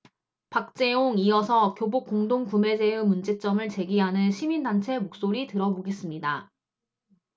박재홍 이어서 교복공동구매제의 문제점을 제기하는 시민단체 목소리 들어보겠습니다